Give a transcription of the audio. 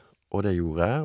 Og det gjorde jeg.